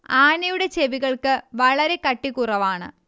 ആനയുടെ ചെവികൾക്ക് വളരെ കട്ടികുറവാണ്